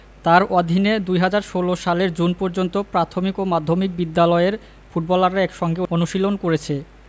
তাঁর অধীনে ২০১৬ সালের জুন পর্যন্ত প্রাথমিক ও মাধ্যমিক বিদ্যালয়ের ফুটবলাররা একসঙ্গে অনুশীলন করেছে